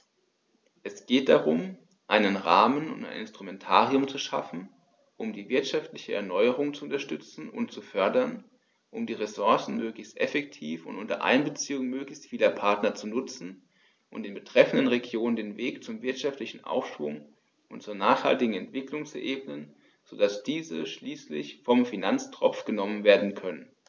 Es geht darum, einen Rahmen und ein Instrumentarium zu schaffen, um die wirtschaftliche Erneuerung zu unterstützen und zu fördern, um die Ressourcen möglichst effektiv und unter Einbeziehung möglichst vieler Partner zu nutzen und den betreffenden Regionen den Weg zum wirtschaftlichen Aufschwung und zur nachhaltigen Entwicklung zu ebnen, so dass diese schließlich vom Finanztropf genommen werden können.